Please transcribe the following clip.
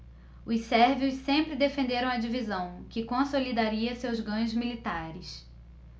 os sérvios sempre defenderam a divisão que consolidaria seus ganhos militares